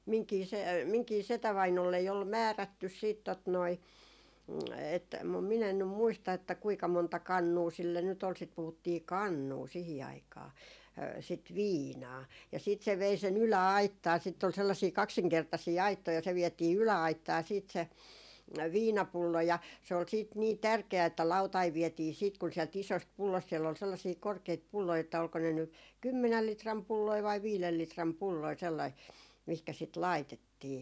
minunkin - minunkin setävainaalleni oli määrätty sitten tuota noin - mutta minä en nyt muista että kuinka monta kannua sille nyt oli sitä puhuttiin kannua siihen aikaan sitä viinaa ja sitten se vei sen yläaittaan sitten oli sellaisia kaksinkertaisia aittoja ja se vietiin yläaittaan sitten se viinapullo ja se oli sitten niin tärkeä että lautanen vietiin sitten kun sieltä isosta pullosta siellä oli sellaisia korkeita pulloja että oliko ne nyt kymmenen litran pulloja vai viiden litran pulloja sellaisia mihinkä sitä laitettiin